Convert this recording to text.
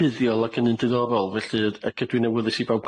buddiol ac yn un diddorol felly yd- ac ydw i'n awyddus i bawb